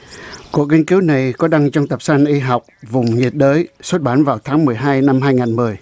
cuộc nghiên cứu này có đăng trong tập san y học vùng nhiệt đới xuất bản vào tháng mười hai năm hai ngàn mười